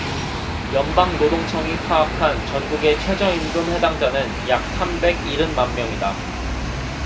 연방노동청이 파악한 전국의 최저임금 해당자는 약 삼백 일흔 만명이다